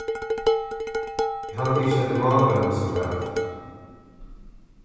eg haldi ikki at eg málbar meg so væl